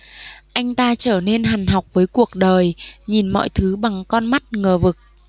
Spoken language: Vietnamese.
anh ta trở nên hằn học với cuộc đời nhìn mọi thứ bằng con mắt ngờ vực